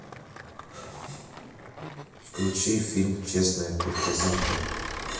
включи фильм честная куртизанка